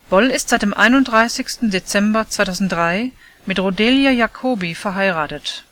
Boll ist seit dem 31. Dezember 2003 mit Rodelia Jacobi verheiratet